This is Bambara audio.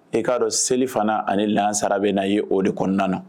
E k'a dɔn selifana ani lansara bɛ na ye o de kɔnɔna na